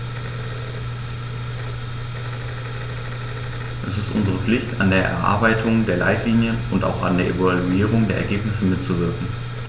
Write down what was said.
Es ist unsere Pflicht, an der Erarbeitung der Leitlinien und auch an der Evaluierung der Ergebnisse mitzuwirken.